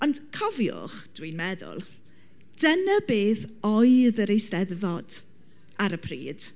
Ond cofiwch, dwi'n i'n meddwl, dyna beth oedd yr Eisteddfod ar y pryd